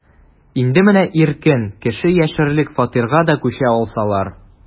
Инде менә иркен, кеше яшәрлек фатирга да күчә алсалар...